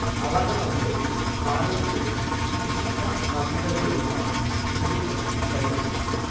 അളകനന്ദയെ ഭാരതത്തിലെ വിശുദ്ധ നദികളിലൊന്നായി ഹിന്ദുക്കൾ പരിഗണിക്കുന്നു